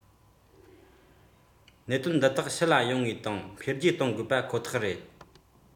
རྐང དངུལ ཚོང རར མ དངུལ ཐབས ལམ སྣ ཚོགས ལ བརྟེན ནས འཚོ བ རོལ སྟངས ཁོ ཐག ཡིན